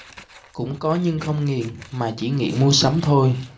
cũng có nhưng không nghiền mà chỉ nghiện mua sắm thôi